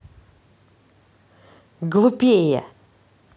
глупее